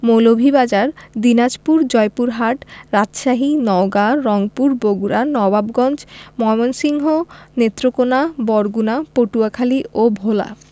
মৌলভীবাজার দিনাজপুর জয়পুরহাট রাজশাহী নওগাঁ রংপুর বগুড়া নবাবগঞ্জ ময়মনসিংহ নেত্রকোনা বরগুনা পটুয়াখালী ও ভোলা